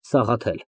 ՍԱՂԱԹԵԼ ֊